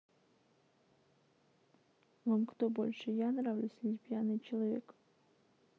вам кто больше я нравлюсь ли пьяный человек